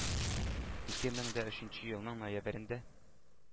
Ике мең дә өченче елның ноябрендә